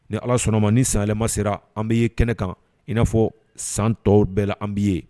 Ni ala sɔnna ma ni sanɛlɛma sera an bɛ ye kɛnɛ kan in n'afɔ fɔ san tɔw bɛɛ la an' ye